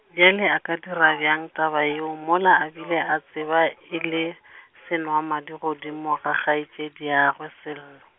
bjale a ka dira bjang taba yeo mola a bile a tseba e le , senwamadi godimo ga kgaetšediagwe, Sello.